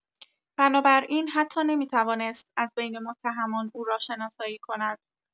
بنابراین حتی نمی‌توانست از بین متهمان او را شناسایی کند.